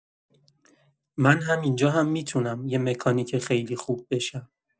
من همین‌جا هم می‌تونم یه مکانیک خیلی خوب بشم.